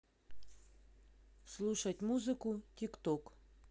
слушать музыку тик ток